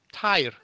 Tair?